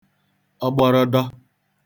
ọgbọrọdọ